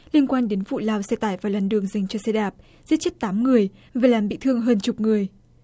liên quan đến vụ lao xe tải và làn đường dành cho xe đạp giết chết tám người và làm bị thương hơn chục người